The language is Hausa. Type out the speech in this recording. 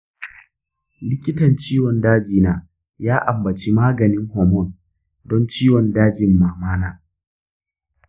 likitan ciwon daji na ya ambaci maganin hormone don ciwon dajin mama na.